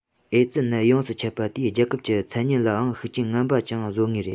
ཨེ ཙི ནད ཡོངས སུ མཆེད པ དེས རྒྱལ ཁབ ཀྱི མཚན སྙན ལའང ཤུགས རྐྱེན ངན པ ཅུང བཟོ ངེས རེད